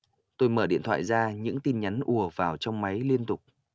tôi mở điện thoại ra những tin nhắn ùa vào trong máy liên tục